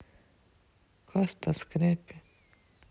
каста скрепы